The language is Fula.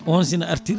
on sina artira